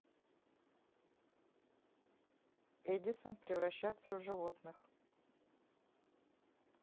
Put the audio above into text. эдисон превращаться в животных